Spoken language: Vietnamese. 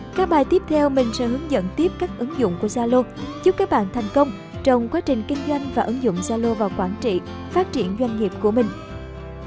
các bài tiếp theo mình sẽ hướng dẫn tiếp các ứng dụng của zalo chúc các bạn thành công trong quá trình kinh doanh và ứng dụng zalo vào quản trị phát triển doanh nghiệp của mình